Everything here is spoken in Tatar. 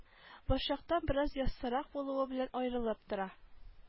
Борчактан бераз яссырак булуы белән аерылып тора